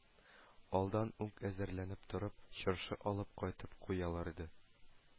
“алдан ук әзерләнеп торып, чыршы алып кайтып куялар иде